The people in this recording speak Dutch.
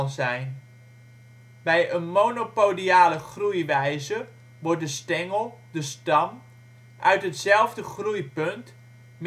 zijn. Bij een monopodiale groeiwijze wordt de stengel (stam) uit hetzelfde groeipunt (meristeem